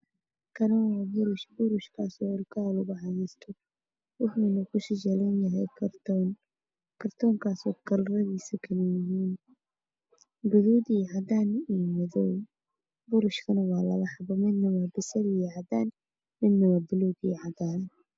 Kani waa burush. burushkaasoo oo ilkaha lugu cadayeesto. Waxuuna ku sajalan yahay kartoon. Kartoonkaas kalaradiisu kala yihiin gaduud iyo cadaan iyo madow. Burushkuna waa labo xabo midna waa basali iyo cadaan midna waa baluug iyo cadaan.